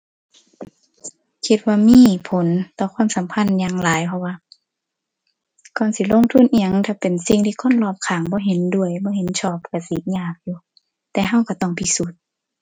คิดว่ามีผลต่อความสัมพันธ์อย่างหลาย เพราะว่าก่อนสิลงทุนอิหยัง ถ้าเป็นสิ่งที่คนรอบข้างบ่เห็นด้วย บ่เห็นชอบ ก็สิยากอยู่ แต่ก็ก็ต้องพิสูจน์